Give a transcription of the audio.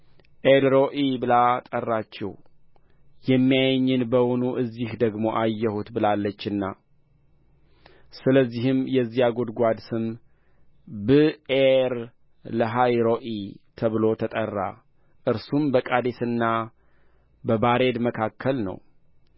ኤልሮኢ ብላ ጠራች የሚያየኝን በውኑ እዚህ ደግሞ አየሁትን ብላለችና ስለዚህም የዚያ ጕድጓድ ስም ብኤር ለሃይሮኢ ተብሎ ተጠራ እርሱም በቃዴስና በባሬድ መካከል ነው